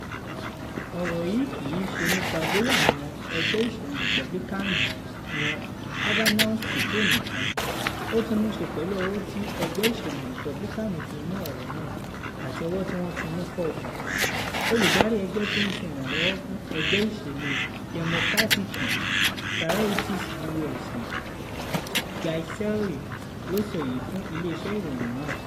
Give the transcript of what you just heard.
“Ọ̀rọ̀ yìí kìí ṣe nípa bóyá àwọn ẹgbẹ́ ìṣèlú Rìpúbílíkáànì yan Kavanaugh sípò nìkan, ó tún nííṣe pẹ̀lú ọwọ́ tí ẹgbẹ́ ìṣèlú Rìpúbílíkáànì fi mú ọ̀rọ̀ náà àti ọwọ́ tí wọ́n fi mú Ford” Olùdarí ẹgbẹ́ tó ń ṣe ìrànlọ́wọ́ fún ẹgbẹ́ ìṣèlú Dẹ́mókírààtì Priorities USA, Guy Cecil ló sọ èyí fún ilé iṣẹ́ ìròyìn náà.